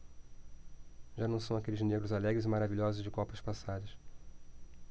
já não são aqueles negros alegres e maravilhosos de copas passadas